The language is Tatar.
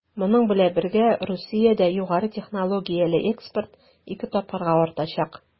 Моның белән бергә Русиядә югары технологияле экспорт 2 тапкырга артачак.